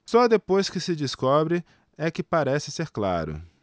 só depois que se descobre é que parece ser claro